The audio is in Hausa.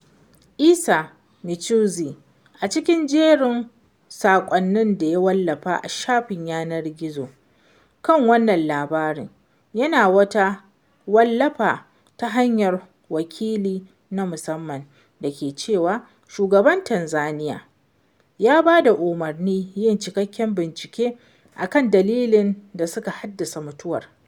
Issa Michuzi, a cikin jerin saƙonnin da ya wallafa a shafin yanar gizo kan wannan lamarin, yayi wata wallafa ta hanyar wakili na musamman da ke cewa Shugaban Tanzaniya, ya ba da umarnin yin cikakken bincike akan dalilan da suka haddasa mutuwar.